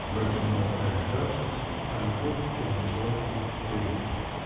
Брачный алтарь ждал, а любовь увлекла их вперед.